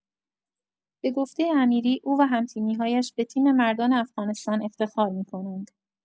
به گفته امیری، او و هم‌تیمی‌هایش به تیم مردان افغانستان افتخار می‌کنند.